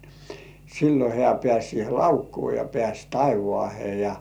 silloin hän pääsi siihen laukkuun ja pääsi taivaaseen ja